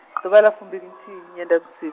ḓuvha ḽa fumbilinthihi nyendavhusi-.